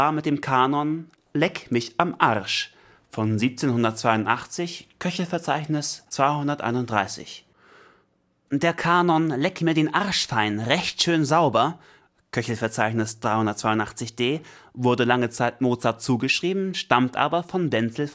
mit dem Kanon Leck mich im Arsch KV 231 (1782) auf. Der Kanon Leck mir den Arsch fein recht schön sauber KV 382d wurde lange Zeit Mozart zugeschrieben, stammt aber von Wenzel